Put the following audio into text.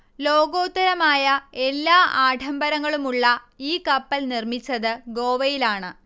ലോകോത്തരമായ എല്ലാ ആഡംബരങ്ങളുമുള്ള ഈ കപ്പൽ നിർമ്മിച്ചത് ഗോവയിലാണ്